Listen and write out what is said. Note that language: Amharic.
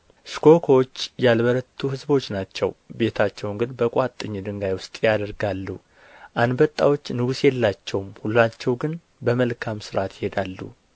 ሽኮኮዎች ያልበረቱ ሕዝቦች ናቸው ቤታቸውን ግን በቋጥኝ ድንጋይ ውስጥ ያደርጋሉ አንበጣዎች ንጉሥ የላቸውም ሁላቸው ግን በመልካም ሥርዓት ይሄዳሉ